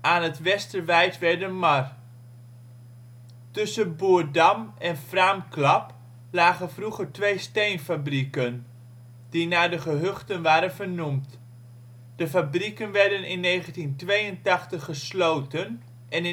aan het Westerwijtwerdermaar. Tussen Boerdam en Fraamklap lagen vroeger twee steenfabrieken, die naar de gehuchten waren vernoemd. De fabrieken werden in 1982 gesloten en